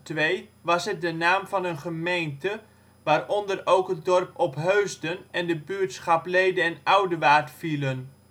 1818 tot 2002 was het de naam van een gemeente, waaronder ook het dorp Opheusden en de buurtschap Lede & Oudewaard vielen